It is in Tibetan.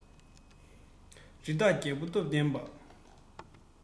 རི དྭགས རྒྱལ པོ སྟོབས ལྡན པ